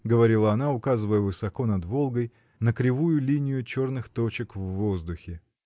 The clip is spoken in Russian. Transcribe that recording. — говорила она, указывая высоко над Волгой на кривую линию черных точек в воздухе.